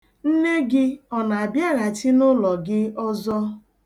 Nne gị ọ na-abịaghachi n'ụlọ gị ọzọ?